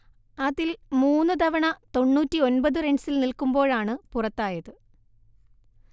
അതിൽ മൂന്ന് തവണ തൊണ്ണൂറ്റിയൊമ്പത് റൺസിൽ നിൽക്കുമ്പോഴാണ് പുറത്തായത്